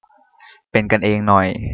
เป็นกันเองหน่อย